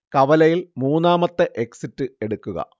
കവലയിൽ മൂന്നാമത്തെ എക്സിറ്റ് എടുക്കുക